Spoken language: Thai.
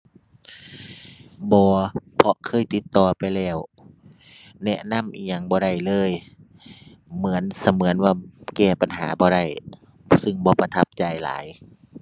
บ่ เพราะเคยติดต่อไปแล้ว แนะนำอิหยังบ่ได้เลย เหมือน เสมือนว่าแก้ปัญหาบ่ได้ รู้สึกบ่ประทับใจหลาย